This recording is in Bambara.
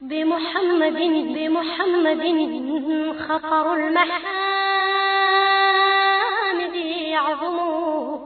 Denmud denminilagɛnin yo